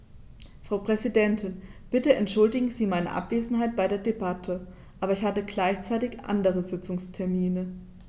Frau Präsidentin, bitte entschuldigen Sie meine Abwesenheit bei der Debatte, aber ich hatte gleichzeitig andere Sitzungstermine.